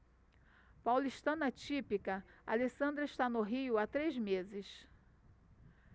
paulistana típica alessandra está no rio há três meses